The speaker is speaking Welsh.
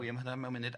mwy am hynna mewn munud